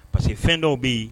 Parce que fɛn dɔw bɛ yen